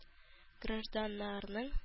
Гражданнарның